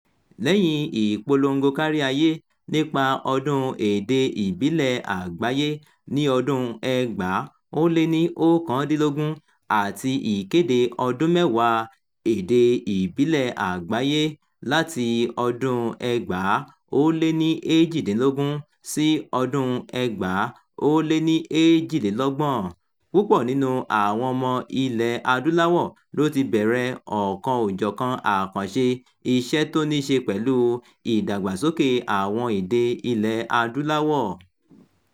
Lẹ́yìn ìpolongo kárí ayé nípa Ọdún Èdè Ìbílẹ̀ Àgbáyé ní ọdún 2019 àti ìkéde Ọdún mẹ́wàá Èdè Ìbílẹ̀ Àgbáyé 2022-2032, púpọ̀ nínú àwọn ọmọ Ilẹ̀-Adúláwọ̀ ló ti bẹ̀rẹ̀ ọ̀kan-ò-jọ̀kan àkànṣe iṣẹ́ tó ní ṣe pẹ̀lú ìdàgbàsókè àwọn èdè Ilẹ̀-Adúláwọ̀.